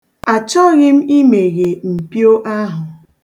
Achọghị m imeghe mpio ahụ.